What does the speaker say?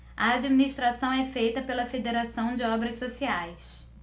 a administração é feita pela fos federação de obras sociais